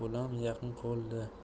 bolam yaqin qoldi